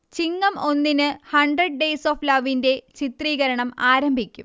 ചിങ്ങം ഒന്നിന് hundred days of ലവിന്റെ ചിത്രീകരണം ആരംഭിക്കും